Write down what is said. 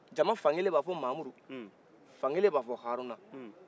jama fankelen b'a fo mamudu fankelen b'a fo haruna